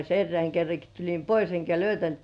erään kerrankin tulin pois enkä löytänytkään